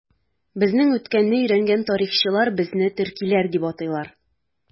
Безнең үткәнне өйрәнгән тарихчылар безне төркиләр дип атыйлар.